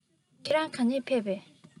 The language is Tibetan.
ཁྱེད རང ག ནས ཕེབས པས